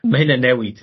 Ma' hynna'n newid.